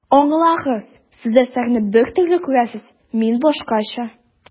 Аңлагыз, Сез әсәрне бер төрле күрәсез, мин башкача.